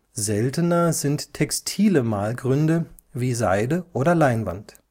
Seltener sind textile Malgründe wie Seide oder Leinwand